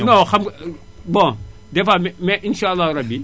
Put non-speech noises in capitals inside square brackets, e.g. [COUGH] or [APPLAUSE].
non xam nga [HESITATION] bon des fois mais insaa àllaaxu rabbi